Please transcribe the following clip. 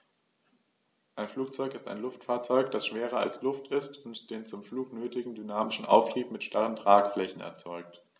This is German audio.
Ein Flugzeug ist ein Luftfahrzeug, das schwerer als Luft ist und den zum Flug nötigen dynamischen Auftrieb mit starren Tragflächen erzeugt.